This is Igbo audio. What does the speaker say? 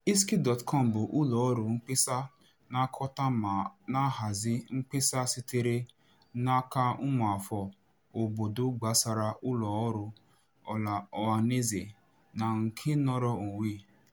Ishki.com bụ ụlọ ọrụ mkpesa na-anakọta ma na-ahazi mkpesa sitere n'aka ụmụafọ obodo gbasara ụlọ ọrụ ọhanaeze na nke nnọrọ onwe.